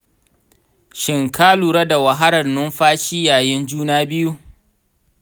shin ka lura da wahalar numfashi yayin juna biyu?